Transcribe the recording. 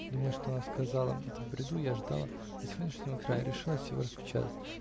Думая, что она сказала это в бреду, я ждала до сегодняшнего утра и решилась его распечатать.